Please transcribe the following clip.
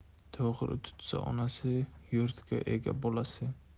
to'g'ri tutsa onasi yurtga ega bolasi